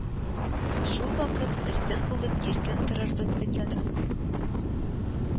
Шул вакыт өстен булып, иркен торырбыз дөньяда,